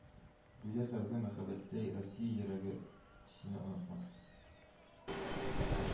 Гүя тәүге мәхәббәттәй, Россия йөрәге сине онытмас